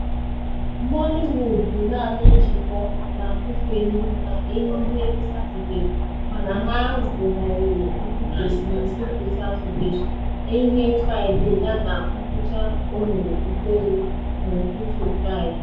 “Moliwood” bụ naanị njikọ na-akụfeghị na ehihe Satọde, mana ha zenarịrị nkụfe n’ụtụtụ Satọde, ehihe Fraịde yana ngwucha oghere itoolu n’ụtụtụ Fraịde.